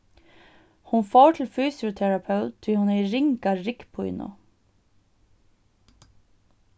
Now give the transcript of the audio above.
hon fór til fysioterapeut tí hon hevði ringa ryggpínu